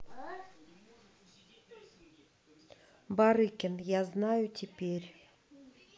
барыкин я знаю теперь